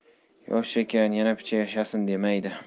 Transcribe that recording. yosh ekan yana picha yashasin demaydi